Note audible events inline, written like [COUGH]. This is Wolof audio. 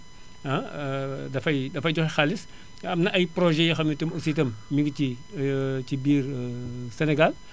[HESITATION] [HESITATION] dafay dafay joxe xaalis te am na ay projets yoo xam ne itam aussi itam ñu ngi ci [HESITATION] ci biir [HESITATION] Sénégal